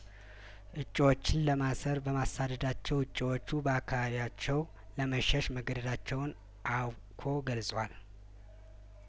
እጩዎችን ለማሰር በማሳደዳቸው እጩዎቹ በአካባቢያቸው ለመሸሽ መገደዳቸውን አብኮ ገልጿል